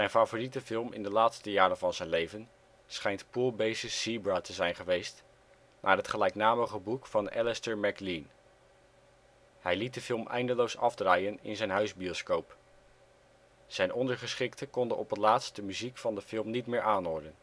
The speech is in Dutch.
favoriete film in de laatste jaren van zijn leven schijnt Poolbasis Zebra te zijn geweest, naar het gelijknamige boek van Alistair MacLean. Hij liet de film eindeloos afdraaien in zijn huisbioscoop. Zijn ondergeschikten konden op het laatst de muziek van de film niet meer aanhoren